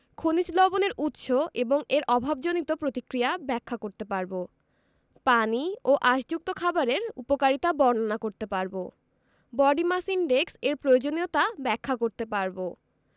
খনিজ লবণের উৎস এবং এর অভাবজনিত প্রতিক্রিয়া ব্যাখ্যা করতে পারব পানি ও আশযুক্ত খাবারের উপকারিতা বর্ণনা করতে পারব বডি মাস ইনডেক্স এর প্রয়োজনীয়তা ব্যাখ্যা করতে পারব